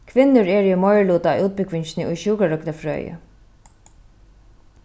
kvinnur eru í meiriluta á útbúgvingini í sjúkrarøktarfrøði